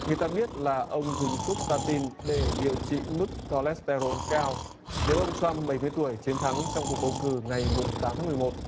người ta biết là ông dùng thuốc sờ ta tin để điều trị mức chô lét tê rôn cao nếu ông trăm bảy mươi tuổi chiến thắng trong cuộc bầu cử ngày mùng tám tháng mười một